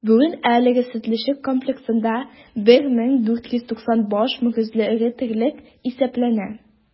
Бүген әлеге сөтчелек комплексында 1490 баш мөгезле эре терлек исәпләнә.